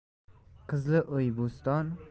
qizli uy bo'ston